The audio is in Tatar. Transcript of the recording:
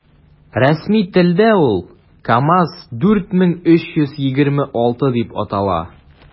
Рәсми телдә ул “КамАЗ- 4326” дип атала.